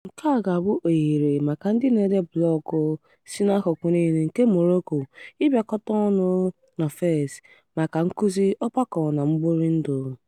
Nke a ga-abụ ohere maka ndị na-ede blọọgụ si n'akụkụ niile nke Morocco ịbịakọta ọnụ na Fez maka nkụzi, ogbakọ, na mgborindụ.